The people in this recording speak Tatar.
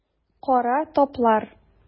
Кара таплар.